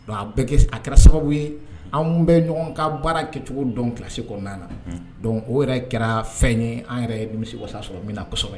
Don a a kɛra sababu ye anw bɛ ɲɔgɔn ka baara kɛcogo dɔn kilasi kɔnɔna na o yɛrɛ kɛra fɛn ye an yɛrɛ ye bɛ misi wasa sɔrɔ bɛna na kɔsɔ